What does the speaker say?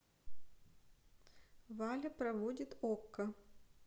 валя проводит okko